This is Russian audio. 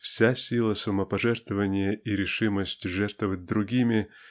вся сила самопожертвования и решимость жертвовать другими